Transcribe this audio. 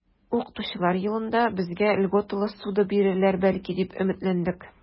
Укытучылар елында безгә льготалы ссуда бирерләр, бәлки, дип өметләндек.